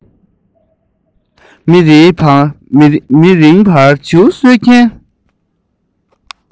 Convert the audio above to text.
མི རིང བར བྱིའུ གསོད མཁན